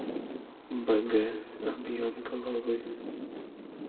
бг объем головы